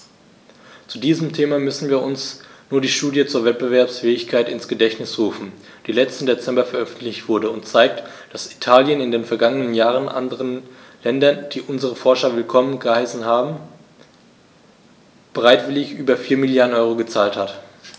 Zu diesem Thema müssen wir uns nur die Studie zur Wettbewerbsfähigkeit ins Gedächtnis rufen, die letzten Dezember veröffentlicht wurde und zeigt, dass Italien in den vergangenen Jahren anderen Ländern, die unsere Forscher willkommen geheißen haben, bereitwillig über 4 Mrd. EUR gezahlt hat.